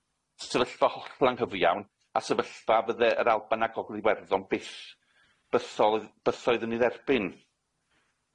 Sefyllfa hollol anghyfiawn, a sefyllfa fydde yr Alban a Gogledd Iwerddon byth bythol- bythoedd yn ei dderbyn.